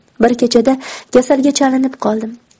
bir kechada kasalga chalinib qoldim